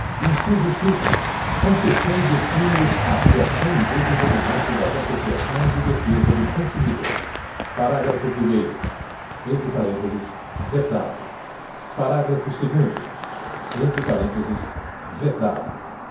inciso cinco concessão de estímulos à criação e desenvolvimento das associações de defesa do consumidor parágrafo primeiro entre parenteses vetado parágrafo segundo entre parenteses vetado